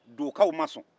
dokaw ma sɔn